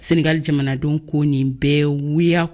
senegali jamanadenw ko nin bɛɛ ye wuya